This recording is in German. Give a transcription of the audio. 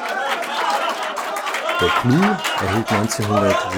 Der Clou erhielt 1974